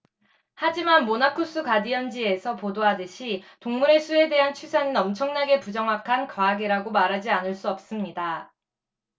하지만 모나쿠스 가디언 지에서 보도하듯이 동물의 수에 대한 추산은 엄청나게 부정확한 과학이라고 말하지 않을 수 없습니다